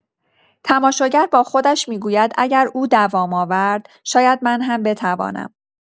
تماشاگر با خودش می‌گوید اگر او دوام آورد، شاید من هم بتوانم.